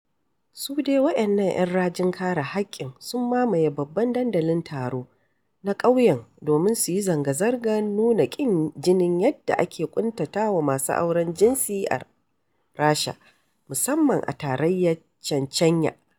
Su dai waɗannan 'yan rajin kare haƙƙin sun mamaye babban dandalin taro na ƙauyen domin su yi zanga-zangar nuna ƙin jinin yadda ake ƙuntatawa masu auren jinsi a Rasha, musamman a tarayyar Chechnya.